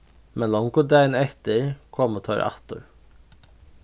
men longu dagin eftir komu teir aftur